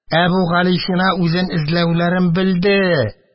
Әбүгалисина үзен эзләүләрен белде.